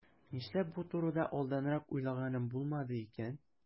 Нишләп бу турыда алданрак уйлаганым булмады икән?